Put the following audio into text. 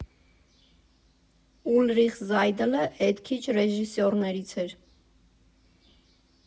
Ուլրիխ Զայդլը էդ քիչ ռեժիսորներից էր։